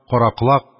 Караколак,